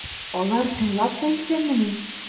Алар чынлап та исәнмени?